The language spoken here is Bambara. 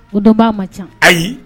O dɔn b'a ma ca ayi